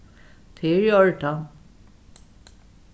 tað er í ordan